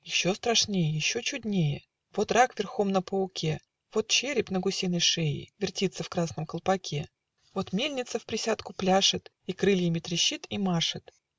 Еще страшней, еще чуднее: Вот рак верхом на пауке, Вот череп на гусиной шее Вертится в красном колпаке, Вот мельница вприсядку пляшет И крыльями трещит и машет